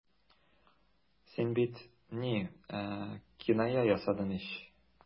Син бит... ни... киная ясадың ич.